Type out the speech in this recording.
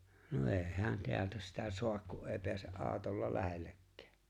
no ei hän täältä sitä saa kun ei pääse autolla lähellekään